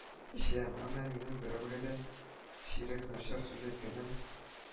Эчәм, әмма минем берәүгә дә чирек начар сүз әйткәнем